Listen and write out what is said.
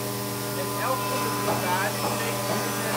elk van de drie waarden kreeg hierin